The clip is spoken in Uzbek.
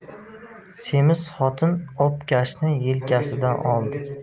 semiz xotin obkashni yelkasidan oldi